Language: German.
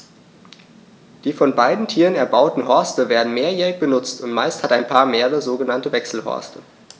Die von beiden Tieren erbauten Horste werden mehrjährig benutzt, und meist hat ein Paar mehrere sogenannte Wechselhorste.